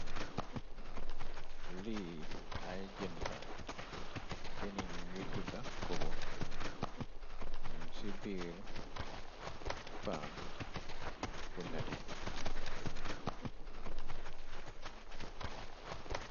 Lii ay jën la, jëni ñu nguy tudda ko bo, num ci biir paan bu neté.